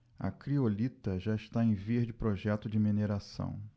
a criolita já está em vias de projeto de mineração